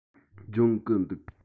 སྦྱོང གི འདུག